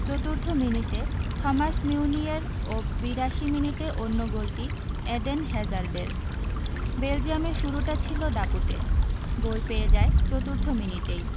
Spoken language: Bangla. চতুর্থ মিনিটে থমাস মিউনিয়ের ও ৮২ মিনিটে অন্য গোলটি এডেন হ্যাজার্ডের বেলজিয়ামের শুরুটা ছিল দাপুটে গোল পেয়ে যায় চতুর্থ মিনিটেই